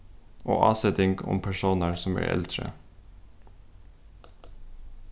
og áseting um persónar sum eru eldri